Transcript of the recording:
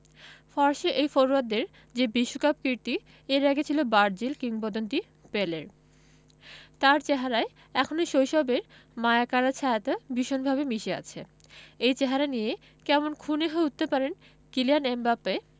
ফরাসি এই ফরোয়ার্ডের যে বিশ্বকাপ কীর্তি এর আগে ছিল ব্রাজিল কিংবদন্তি পেলের তাঁর চেহারায় এখনো শৈশবের মায়াকাড়া ছায়াটা ভীষণভাবে মিশে আছে এই চেহারা নিয়েই কেমন খুনে হয়ে উঠতে পারেন কিলিয়ান এমবাপ্পে